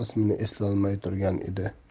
ismini eslolmay turgan edi